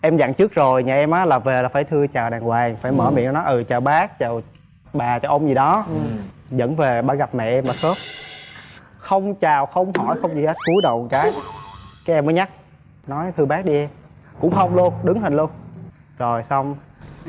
em dặn trước rồi nhà em á là về là phải thưa chào đàng hoàng phải mở miệng nói ừ chào bác chào bà chào ông gì đó dẫn về bảo gặp mẹ em mà sốc không chào không hỏi không gì hết cúi đầu một cái các em mới nhắc nói thưa bác đi em cũng không luôn đứng hình luôn rồi không